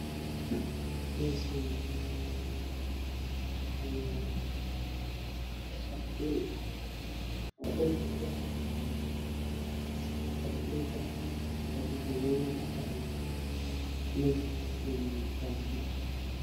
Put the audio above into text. Meeshaan waa bannaan waxaa ka muuqda dhulku waa caddaan guri ayaa ka dambeeya kalarkeedu waa qalin